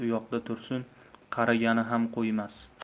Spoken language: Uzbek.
u yoqda tursin qaragani ham qo'ymas